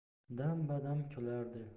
dam badam kulardi